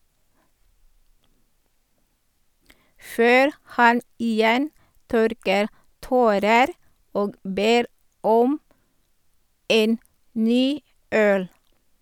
Før han igjen tørker tårer og ber om en ny øl.